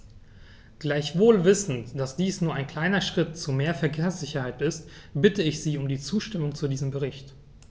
Gleichwohl wissend, dass dies nur ein kleiner Schritt zu mehr Verkehrssicherheit ist, bitte ich Sie um die Zustimmung zu diesem Bericht.